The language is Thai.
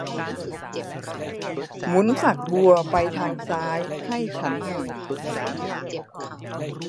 หมุนฝักบัวไปทางซ้ายให้ฉันหน่อย